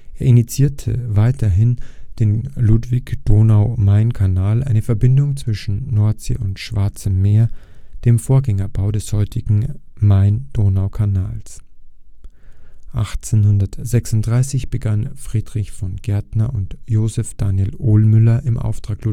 initiierte weiterhin den Ludwig-Donau-Main-Kanal, eine Verbindung zwischen Nordsee und Schwarzem Meer, den Vorgängerbau des heutigen Main-Donau-Kanals. 1836 begannen Friedrich von Gärtner und Joseph Daniel Ohlmüller im Auftrag